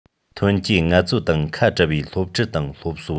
ཐོན སྐྱེད ངལ རྩོལ དང ཁ བྲལ བའི སློབ ཁྲིད དང སློབ གསོ